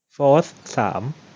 โฟธสาม